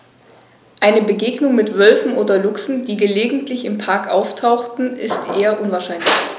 Eine Begegnung mit Wölfen oder Luchsen, die gelegentlich im Park auftauchen, ist eher unwahrscheinlich.